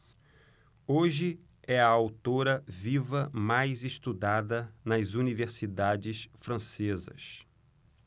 hoje é a autora viva mais estudada nas universidades francesas